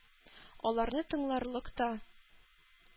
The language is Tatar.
Аларны тыңларлык та,